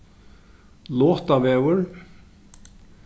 lotavegur